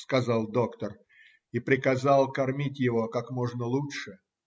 сказал доктор и приказал кормить его как можно лучше.